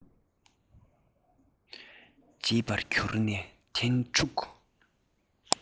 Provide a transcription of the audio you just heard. བརྗེད པ གྱུར ནས ཐན ཕྲུག